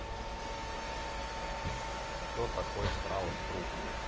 кто такой страус труп